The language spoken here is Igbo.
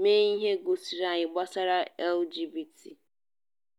mee ihe ngosi anyị gbasara LGBT.